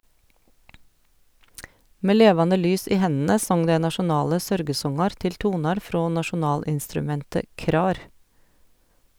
Med levande lys i hendene song dei nasjonale sørgesongar til tonar frå nasjonalinstrumentet krar.